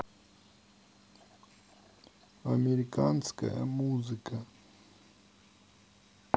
американская музыка